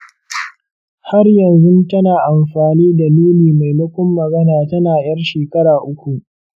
har yanzu tana amfani da nuni maimakon magana tana yar shekara uku.